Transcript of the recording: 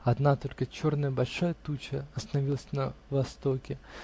одна только черная большая туча остановилась на востоке.